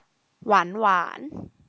หวานหวาน